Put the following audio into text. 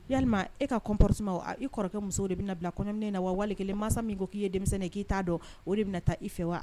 Yalima e ka comportement o a i kɔrɔkɛ musow de bɛna bila kɔɲɔminɛn in na wa walikelen masa min ko k'i ye denmisɛnnin ye k'i t'a dɔn o de bɛna taa i fɛ wa